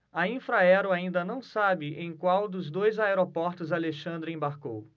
a infraero ainda não sabe em qual dos dois aeroportos alexandre embarcou